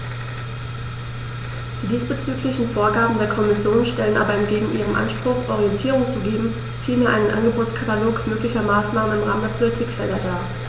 Die diesbezüglichen Vorgaben der Kommission stellen aber entgegen ihrem Anspruch, Orientierung zu geben, vielmehr einen Angebotskatalog möglicher Maßnahmen im Rahmen der Politikfelder dar.